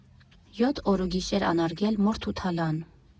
Յոթ օրուգիշեր անարգել՝ մորթ ու թալան։